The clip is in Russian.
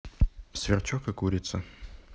сверчок и курица